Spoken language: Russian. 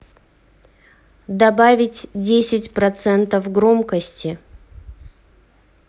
добавить десять процентов громкости